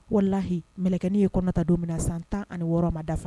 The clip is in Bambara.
Walahi mkɛi ye kɔnɔta don minna na san tan ani ma dafa